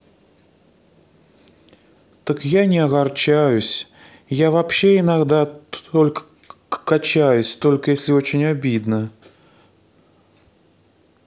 так я не огорчаюсь я вообще иногда только качаюсь только если очень обидно